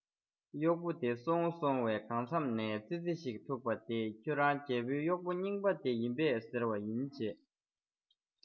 གཡོག པོ དེ སོང སོང བས གང མཚམས ནས ཙི ཙི ཞིག ཐུག པ དེས ཁྱོད རང རྒྱལ པོའི གཡོག པོ རྙིང པ དེ ཡིན པས ཟེར བ ཡིན བྱས